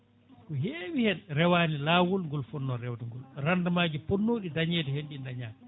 ko heewi hen rewani lawol ngol fonno rewde ngol rendement ji ponnoɗi dañede hen ɗi dañaka